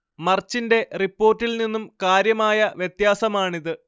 മർച്ചിന്റെ റിപ്പോർട്ടിൽ നിന്നും കാര്യമായ വ്യത്യാസമാണിത്